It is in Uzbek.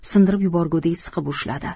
sindirib yuborgudek siqib ushladi